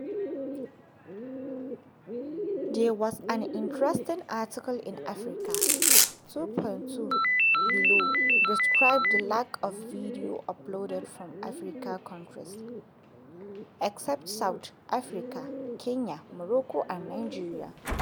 There was an interesting article in Africa2.0 blog describing the lack of videos uploaded from African countries (except South Africa, Kenya, Morocco and Nigeria).